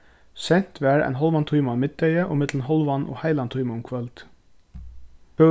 sent varð ein hálvan tíma á miðdegi og millum hálvan og heilan tíma um kvøldið